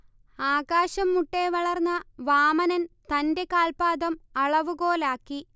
ആകാശംമുട്ടെ വളർന്ന വാമനൻ തന്റെ കാൽപ്പാദം അളവുകോലാക്കി